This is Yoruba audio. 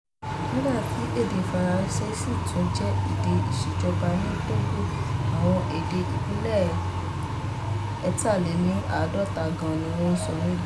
Nígbà tí èdè Faransé sì tún jẹ́ èdè ìṣèjọba ní Togo, àwọn èdè ìbílẹ̀ 53 gan ni wọ́n ṣ sọ níbẹ̀.